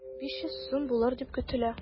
500 сум булыр дип көтелә.